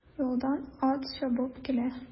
Юлдан ат чабып килә.